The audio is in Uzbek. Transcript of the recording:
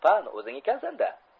pan o'zing ekansan da